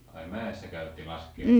ai mäessä käytiin laskiaisena